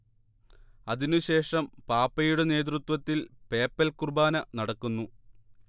അതിനുശേഷം പാപ്പയുടെ നേതൃത്വത്തിൽ പേപ്പൽ കുർബാന നടക്കുന്നു